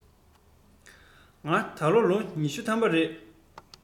ང ད ལོ ལོ ཉི ཤུ ཐམ པ རེད